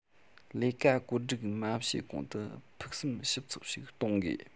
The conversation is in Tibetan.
ལས ཀ བཀོད སྒྲིག མ བྱས གོང དུ ཕུགས བསམ ཞིབ ཚགས ཤིག གཏོང དགོས